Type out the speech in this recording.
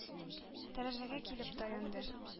Тәрәзәгә килеп таянды,